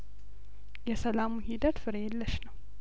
የሰላሙ ሂደት ፍሬ የለሽ ነው